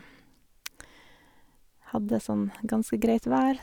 Hadde sånn ganske greit vær.